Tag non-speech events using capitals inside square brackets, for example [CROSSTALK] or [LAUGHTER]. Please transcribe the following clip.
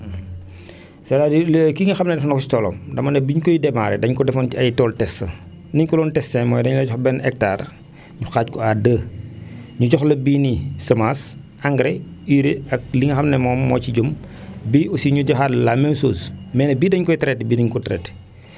[HESITATION] [HESITATION] [BREATH] c' à dire ki nga xam ne def na ko si toolam dama ne bi ñu koy démarré dañu ko defoon ay tool test ni ñu ko doon testé mooy dañu lay jox benn hectare ñu xaaj ko à 2 ñu jox la bii nii semence engrais urée ak li nga xam ne moom moo ci jëm bii aussi ñu joxaat la la même chose mais nag bii dañu koy triaté bii du ñu ko traité